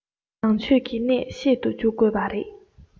ནང ཆོས ཀྱི གནད ཤེས སུ འཇུག དགོས པ རེད